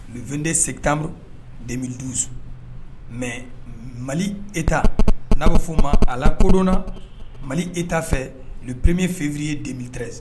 U2de se tanuru du mais mali e ta n'a bɛ f fɔ o ma a la kodɔnna mali e ta fɛ peme ffiuru yerɛɛrɛ